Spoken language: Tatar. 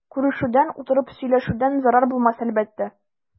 Күрешүдән, утырып сөйләшүдән зарар булмас әлбәттә.